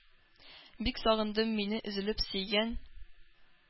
Бик сагындым мине өзелеп сөйгән